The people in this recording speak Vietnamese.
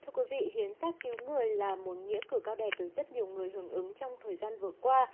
thưa quý vị hiến xác cứu người là một nghĩa cử cao đẹp được rất nhiều người hưởng ứng trong thời gian vừa qua